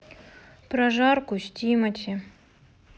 прожарку с тимати